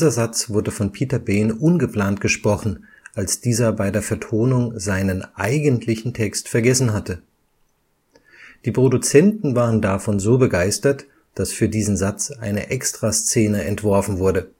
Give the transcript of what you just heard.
Satz wurde von Peter Behn ungeplant gesprochen, als dieser bei der Vertonung seinen eigentlichen Text vergessen hatte. Die Produzenten waren davon so begeistert, dass für diesen Satz eine Extra-Szene entworfen wurde